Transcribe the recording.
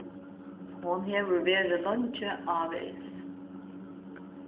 hon hevur verið leingi ávegis